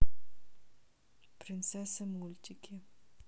принцессы мультики